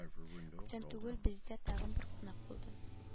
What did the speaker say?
Күптән түгел бездә тагын бер кунак булды